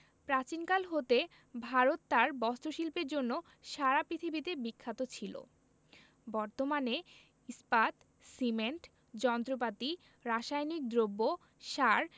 প্রাচীনকাল হতে ভারত তার বস্ত্রশিল্পের জন্য সারা পৃথিবীতে বিখ্যাত ছিল বর্তমানে ইস্পাত সিমেন্ট যন্ত্রপাতি রাসায়নিক দ্রব্য সার